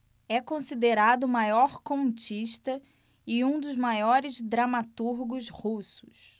é considerado o maior contista e um dos maiores dramaturgos russos